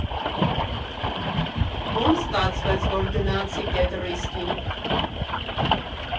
Ո՞նց ստացվեց, որ գնացիք էդ ռիսկին։